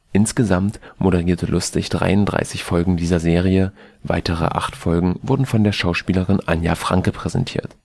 Insgesamt moderierte Lustig 33 Folgen der Serie, weitere acht Folgen wurden von der Schauspielerin Anja Franke präsentiert